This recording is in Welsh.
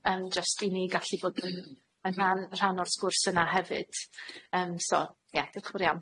yym jyst i ni gallu bod yn yn ran yn rhan o'r sgwrs yna hefyd. Yym, so, ia, diolch yn fowr iawn.